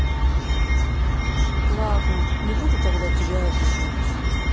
ладно не буду тогда тебя обижать